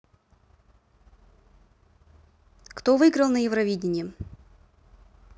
кто выиграл на евровидение